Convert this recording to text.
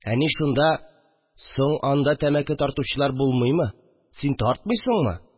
Әни шунда: «Соң, анда тәмәке тартучылар булмыймы, син тартмыйсыңмы